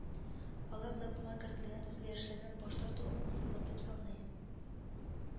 Алар законга кертелгән үзгәрешләрдән баш тарту акылсызлык, дип саный